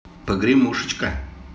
погремушечка